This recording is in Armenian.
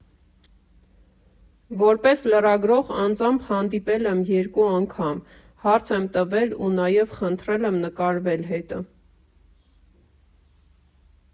Որպես լրագրող անձամբ հանդիպել եմ երկու անգամ, հարց եմ տվել ու նաև խնդրել եմ նկարվել հետը։